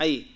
a yiyii